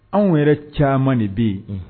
Anw yɛrɛ caaman de bɛ yen. Un.